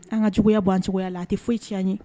An ka juguya bɔ'an cogoya la a tɛ foyi ci ye